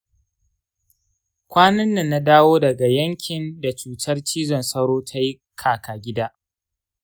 kwanan nan na dawo daga yankin da cutar cizon sauro ta yi kaka-gida.